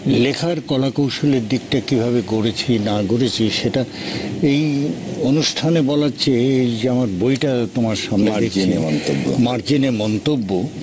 লেখার কলা-কৌশল এর দিকটা কিভাবে গড়েছি না গড়েছি সেটা এই অনুষ্ঠানে বলার চেয়ে আমার যে বইটা তোমার সামনে মার্জিনে মন্তব্য মার্জিনে মন্তব্য